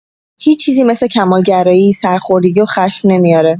هیچ چیزی مثل کمال‌گرایی سرخودگی و خشم نمیاره!